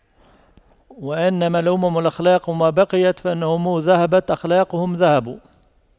وإنما الأمم الأخلاق ما بقيت فإن هم ذهبت أخلاقهم ذهبوا